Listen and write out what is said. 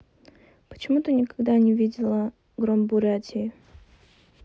почему ты никогда не видела гром бурятии